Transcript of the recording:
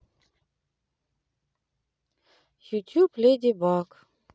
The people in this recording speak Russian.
ютуб леди баг